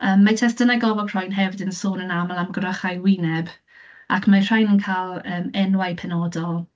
Yym, mae testunau gofal croen hefyd yn sôn yn aml am grychau wyneb, ac mae'r rhain yn cael, yym, enwau penodol.